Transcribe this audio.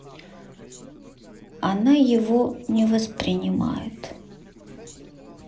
она его не воспринимает